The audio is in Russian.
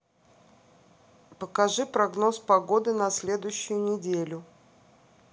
покажи прогноз погоды на следующую неделю